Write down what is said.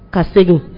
Ka segin